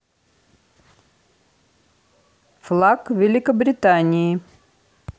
флаг великобритании